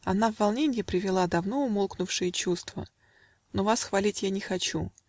Она в волненье привела Давно умолкнувшие чувства Но вас хвалить я не хочу